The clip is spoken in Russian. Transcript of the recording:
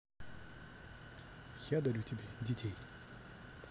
я дарю тебе детей